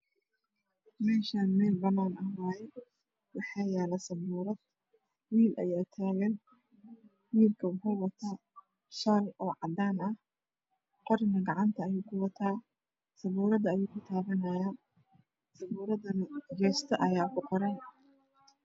Meshaan meel panan aha waye waxaa yala sapuurad wiil ayaa tagan wiilka waxa uu wataa shar cadaana ah qurina gacta ayuu ku wataa sapuurada uu ku tapanaaya sapuu rada jeesta ayaa ku qoran